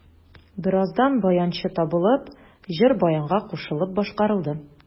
Бераздан баянчы табылып, җыр баянга кушылып башкарылды.